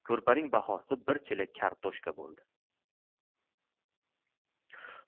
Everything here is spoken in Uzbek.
ko'rpaning bahosi bir chelak kartoshka bo'ldi